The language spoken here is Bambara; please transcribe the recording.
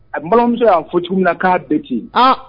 Habi, m'balimamuso y' a fɔ cogo min na k'a be te. Aa